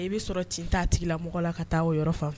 I bɛ sɔrɔ tin t'a tigilamɔgɔ la ka taa o yɔrɔ fanfɛ.